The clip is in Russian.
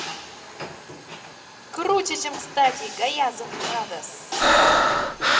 круче чем кстати гаязов brothers